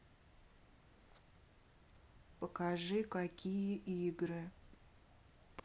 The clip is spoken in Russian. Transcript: покажи какие игры